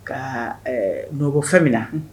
Ka n nɔbɔ fɛn min na